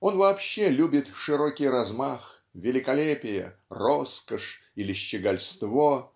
Он вообще любит широкий размах великолепие роскошь или щегольство